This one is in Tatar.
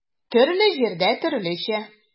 Төрле җирдә төрлечә.